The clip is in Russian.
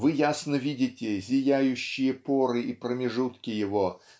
вы ясно видите зияющие поры и промежутки его